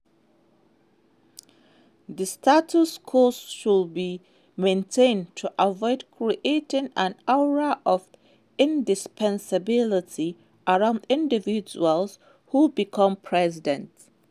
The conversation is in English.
The status quo should be maintained to avoid creating an aura of indispensability around individuals who become President.